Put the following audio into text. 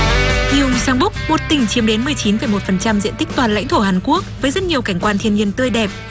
ghi ông sang búc một tỉnh chiếm đến mười chín phẩy một phần trăm diện tích toàn lãnh thổ hàn quốc với rất nhiều cảnh quan thiên nhiên tươi đẹp